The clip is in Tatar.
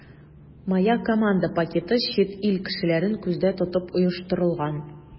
“моя команда” пакеты чит ил кешеләрен күздә тотып оештырылган.